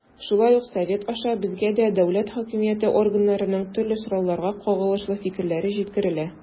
Шулай ук Совет аша безгә дә дәүләт хакимияте органнарының төрле сорауларга кагылышлы фикерләре җиткерелә.